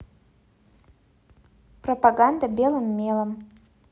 пропаганда белым мелом